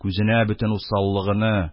Күзенә бөтен усаллыгыны,